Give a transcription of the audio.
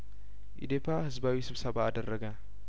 ኢዴፓ ህዝባዊ ስብሰባ አደረገ